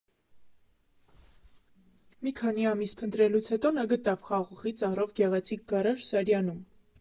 Մի քանի ամիս փնտրելուց հետո նա գտավ խաղողի ծառով գեղեցիկ գարաժ Սարյանում։